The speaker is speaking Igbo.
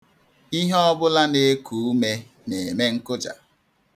Ihe ọ bụla na-eku ume na-eme nkụja.